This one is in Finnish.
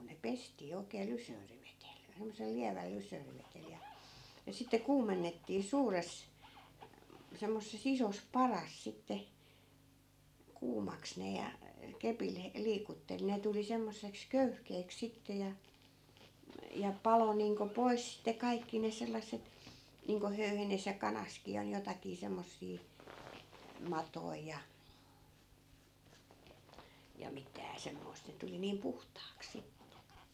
ne pestiin oikein lysolivedellä semmoisella lievällä lysolivedellä ja ja sitten kuumennettiin suuressa semmoisessa isossa padassa sitten kuumaksi ne ja kepillä - liikutteli ne tuli semmoiseksi köyhkeäksi sitten ja ja paloi niin kuin pois sitten kaikki ne sellaiset niin kuin höyhenessä ja kanassakin oli jotakin semmoisia matoja ja ja mitään semmoista että tuli niin puhtaaksi sitten